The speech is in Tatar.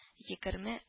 Егерме